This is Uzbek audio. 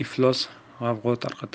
iflos g'avg'o tarqatar